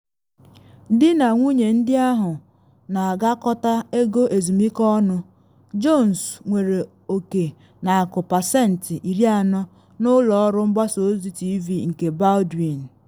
Di na nwunye ndị ahụ na agakọta ego ezumike ọnụ, Jones nwere oke n’akụ pasentị 40 n’ụlọ ọrụ mgbasa ozi TV nke Baldwin.